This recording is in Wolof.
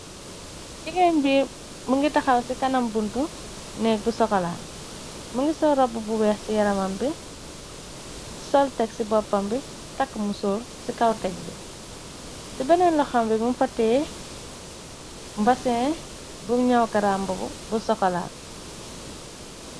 Jégéen bi mu ngi taxaw ci kanam buntu nekk bu sokola. Mu ngi sol ropb bu weex ci yaramam bi. Sol teg ci boppam bi. Takk mu sóur ci kaw teg bi. Ci beneen loxam bi mu fotee mbasin bu ñaw garamb bu sokolaa.